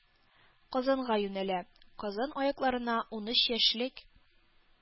Казанга юнәлә, «Казан якларына унөч яшьлек